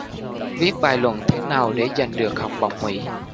viết bài luận thế nào để giành được học bổng mỹ